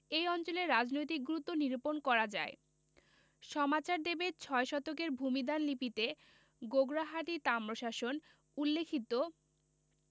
এ অঞ্চলের রাজনৈতিক গুরুত্ব নিরূপন করা যায় সমাচার দেবের ছয় শতকের ভূমিদান লিপিতে গোগরাহাটি তাম্রশাসন উলেখিত